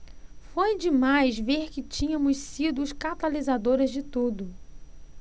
foi demais ver que tínhamos sido os catalisadores de tudo